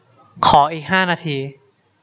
ขออีกห้านาที